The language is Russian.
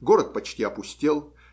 Город почти опустел.